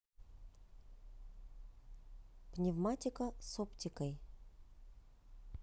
пневматика с оптикой